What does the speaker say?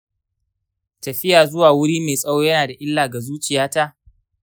tafiya zuwa wuri mai tsawo yana da illa ga zuciyata?